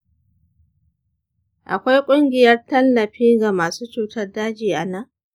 akwai ƙungiyar tallafi ga masu cutar daji a nan?